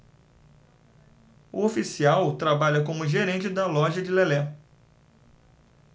o oficial trabalha como gerente da loja de lelé